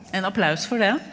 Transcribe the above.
en applaus for det.